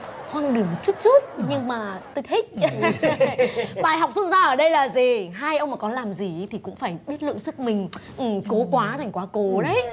hoang đường chút chút nhưng mà tôi thích bài học rút ra ở đây là gì hai ông mà có làm gì í thì cũng phải biết lượng sức mình cố cố quá thành quá cố đấy